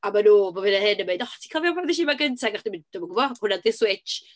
A maen nhw, bob hyn a hyn yn mynd; "O ti'n cofio pan ddos i yma gyntaf? Ac o'ch chdi'n mynd, dwi'm yn gwybod, hwnna 'di'r switsh."